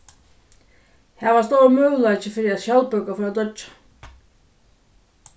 har var stórur møguleiki fyri at skjaldbøkan fór at doyggja